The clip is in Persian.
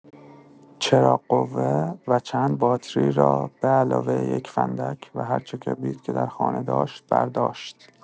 چراغ‌قوه و چند باتری را به‌علاوه یک فندک و هرچه کبریت که در خانه داشت، برداشت.